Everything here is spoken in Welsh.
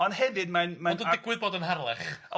Ond hefyd mae'n mae'n... Ond yn digwydd bod yn Harlech.